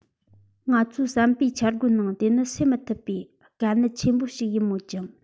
ང ཚོའི བསམ པའི འཆར སྒོའི ནང དེ ནི སེལ མི ཐུབ པའི དཀའ གནད ཆེན པོ ཞིག ཡིན མོད ཀྱང